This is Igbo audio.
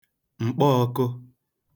m̀kpọọ̄kụ̄